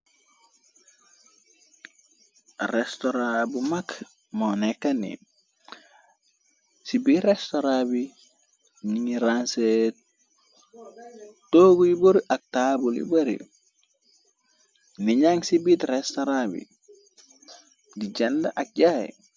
Restoraan bu mag moo nekka ni ci biit restoran bi nini ransee tooguy buru. Ak taabul li bari ni ñjang ci biit restaraan bi di jend ak jaay.